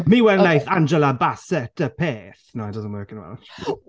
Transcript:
Mi wnaeth Angela Bassett y peth, na it doesn't work in Welsh...